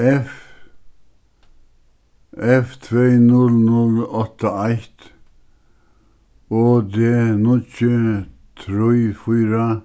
f f tvey null null átta eitt o d níggju trý fýra